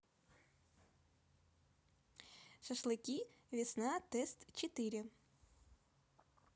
шашлыки весна тест четыре